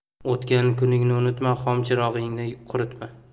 o'tgan kuningni unutma xom chorig'ingni quritma